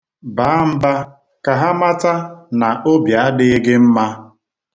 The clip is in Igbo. Baa mba ka ha mata na obi adịghị gị mma.